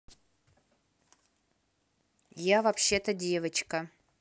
я вообще то девочка